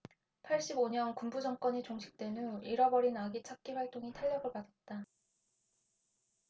팔십 오 년 군부 정권이 종식된 후 잃어버린 아기 찾기 활동이 탄력을 받았다